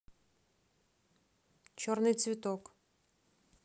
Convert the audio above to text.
черный цветок